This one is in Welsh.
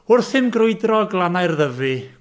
Wrthym grwydro glannau'r Ddyfi...